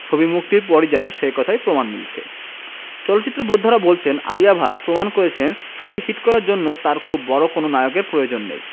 ছবি মুক্তির পরই যেন সেই কথার প্রমাণ মিলছে চলচ্চিত্র বোদ্ধারা বলছেন আলিয়া ভাট প্রমাণ করেছেন ছবি হিট করার জন্য তার খুব বড় কোনো নায়কের প্রয়োজন নেই